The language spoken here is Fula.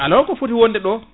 alors ko foti wonde ɗo